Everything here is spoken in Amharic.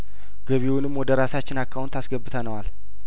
ገቢውንም ወደ ራሳችን አካውንት አስገብተነዋል